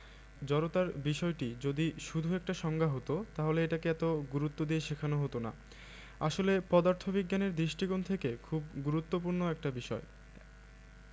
জড়তার বিষয়টি যদি শুধু একটা সংজ্ঞা হতো তাহলে এটাকে এত গুরুত্ব দিয়ে শেখানো হতো না আসলে এটা পদার্থবিজ্ঞানের দৃষ্টিকোণ থেকে খুব গুরুত্বপূর্ণ একটা বিষয়